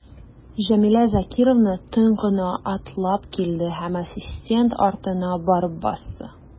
Җәмилә Закировна тын гына атлап килде һәм ассистент артына барып басты.